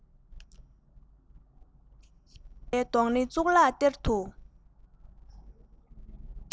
ཁྱོད ཀྱི གོམ པའི རྡོག སྣེ གཙུག ལག གཏེར དུ